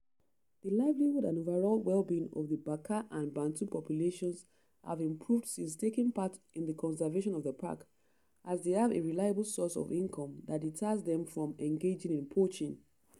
The livelihood and overall well-being of the Baka and Bantu populations have improved since taking part in the conservation of the park, as they have a reliable source of income that deters them from engaging in poaching.